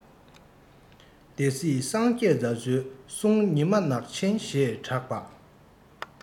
སྡེ སྲིད སངས རྒྱས རྒྱ མཚོའི གསུང ཉི མ ནག ཆེན ཞེས གྲགས པ